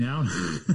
Iawn.